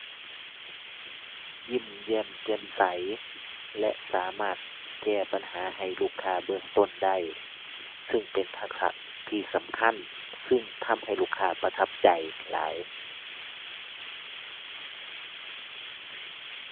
ยิ้มแย้มแจ่มใส่และสามารถแก้ปัญหาให้ลูกค้าเบื้องต้นได้ ซึ่งเป็นทักษะที่สำคัญ ซึ่งทำให้ลูกค้าประทับใจหลาย